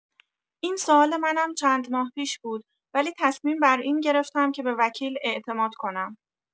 این سوال منم چند ماه پیش بود، ولی تصمیم بر این گرفتم که به وکیل اعتماد کنم.